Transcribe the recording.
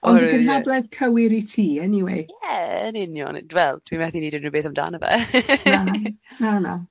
Ond y gynhadledd cywir i ti eniwe. Ie, yn union. Wel, dwi methu wneud unrhyw beth amdano fe.